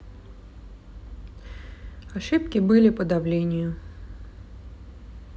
ошибки были по давлению